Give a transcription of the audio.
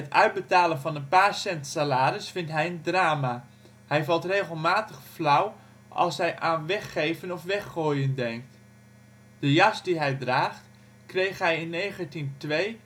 uitbetalen van een paar cent salaris vindt hij een drama. Hij valt regelmatig flauw als hij aan " weggeven " of " weggooien " denkt. De jas die hij draagt, heeft hij in 1902